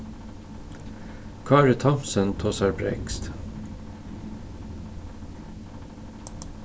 kári thomsen tosar bretskt